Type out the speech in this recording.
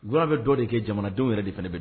Wula bɛ dɔ de kɛ jamanadenw yɛrɛ de fana bɛ